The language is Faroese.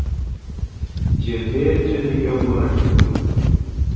gev tekin í góðari tíð